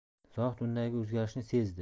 zohid undagi o'zgarishni sezdi